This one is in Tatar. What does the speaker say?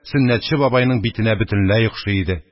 Сөннәтче бабайның битенә бөтенләй охшый иде.